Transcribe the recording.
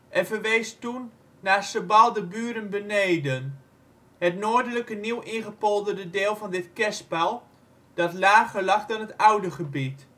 verwees toen naar Sebaldeburen-beneden; het noordelijke nieuw ingepolderde deel van dit kerspel, dat lager lag dan het oude gebied